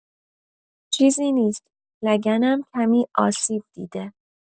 چیزی نیست لگنم کمی آسیب‌دیده!